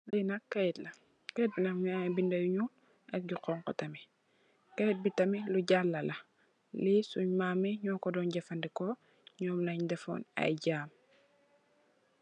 Li nak kayet la kayet bi mu ngi amée lu nyull ak lu xonku kayit bi tamit lu jalla la mu ngi wone sun mamati mam yi lung leg doon def.